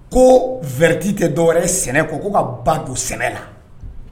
Ko vti tɛ dɔw wɛrɛ sɛnɛ ko ko ka ba to sɛnɛ la